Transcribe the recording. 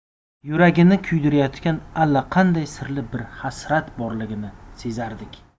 yuragini kuydirayotgan allaqanday sirli bir hasrat borligini sezardik